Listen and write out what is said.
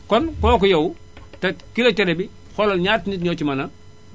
kon kooku yow te kilo cere bi xoolal ñaata nit ñoo ci mën a